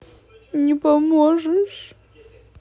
не поможешь